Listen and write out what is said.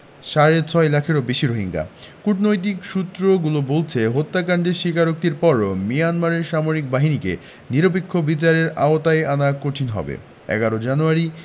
সাড়ে ছয় লাখেরও বেশি রোহিঙ্গা কূটনৈতিক সূত্রগুলো বলছে হত্যাকাণ্ডের স্বীকারোক্তির পরও মিয়ানমারের সামরিক বাহিনীকে নিরপেক্ষ বিচারের আওতায় আনা কঠিন হবে ১১ জানুয়ারি